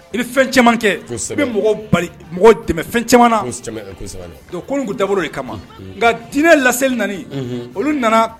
I bɛ fɛn cɛman kɛ i bɛ ko daoro de kama nka diinɛ laeli nana olu nana